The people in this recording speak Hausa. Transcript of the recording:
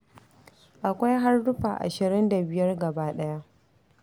Akwai haruffa 25 gabaɗaya.